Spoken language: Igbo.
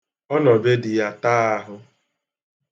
Ọ nọ be di ya taa ahụ.